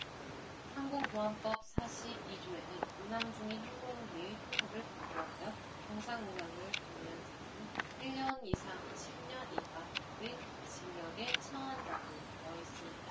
항공보안법 사십 이 조에는 운항중인 항공기의 항로를 변경하여 정상 운항을 방해한 사람은 일 년 이상 십 년 이하의 징역에 처한다고 되어 있습니다